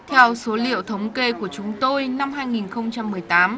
theo số liệu thống kê của chúng tôi năm hai nghìn không trăm mười tám